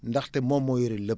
ndaxte moom moo yore lépp